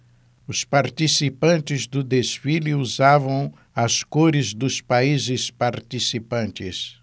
os participantes do desfile usavam as cores dos países participantes